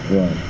waaw